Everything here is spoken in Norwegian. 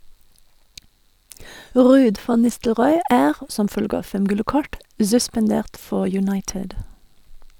Ruud van Nistelrooy er, som følge av fem gule kort, suspendert for United.